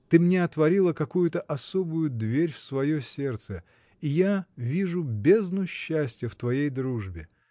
Ты мне отворила какую-то особую дверь в свое сердце — и я вижу бездну счастья в твоей дружбе.